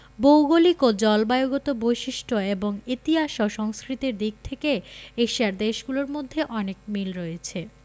ভৌগলিক ও জলবায়ুগত বৈশিষ্ট্য এবং ইতিহাস ও সংস্কৃতির দিক থেকে এশিয়ার দেশগুলোর মধ্যে অনেক মিল রয়েছে